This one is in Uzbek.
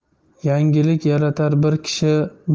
yangilik yaratar bir kishi